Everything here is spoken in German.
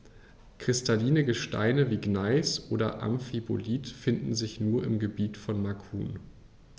Kristalline Gesteine wie Gneis oder Amphibolit finden sich nur im Gebiet von Macun.